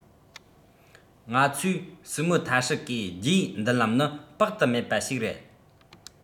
ང ཚོས སུའུ མུའུ ཐ ཧྲི གིས རྗེས མདུན ལམ ནི དཔག ཏུ མེད པ ཞིག རེད